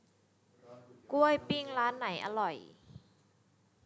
กล้วยปิ้งร้านไหนอร่อย